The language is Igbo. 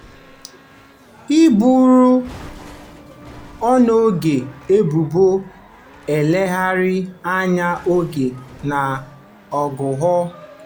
E boro Onnoghen ebubo nleghara anya ego na aghụghọ.